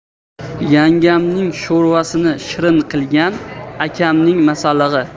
yangamning sho'rvasini shirin qilgan akamning masallig'i